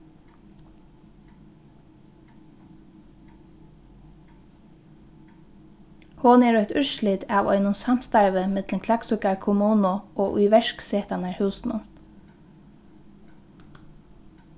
hon er eitt úrslit av einum samstarvi millum klaksvíkar kommunu og íverksetanarhúsinum